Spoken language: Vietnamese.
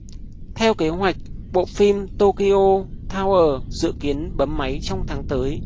theo kế hoạch bộ phim tokyo tower dự kiến bấm máy trong tháng tới